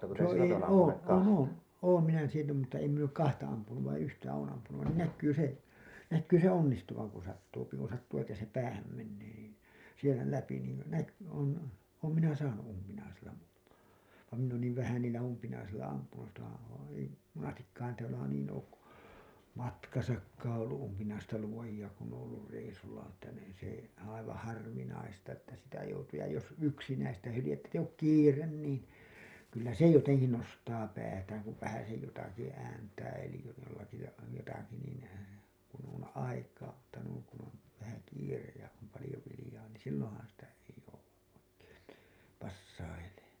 se ei ole olen olen olen minä sillä mutta en minä ole kahta ampunut vain yhtä olen ampunut niin näkyy se näkyy se onnistuvan kun sattuu kun sattuu että se päähän menee niin siellä läpi niin - on olen minä saanut umpinaisilla muutaman vaan minä olen niin vähän niillä umpinaisilla ampunut sitähän on ei monestikaan täällä niin ole kun matkassakaan ollut umpinaista luotia kun on ollut reissulla ne että niin se aivan harvinaista että sitä joutuu ja jos yksinäistä hyljettä että ei ole kiire niin kyllä se jotenkin nostaa päätään kun vähäsen jotakin ääntää eli jollakin ja jotakin niin kun on aikaa mutta noin kun on vähän kiire ja on paljon viljaa niin silloinhan sitä ei jouda oikein niin passailemaan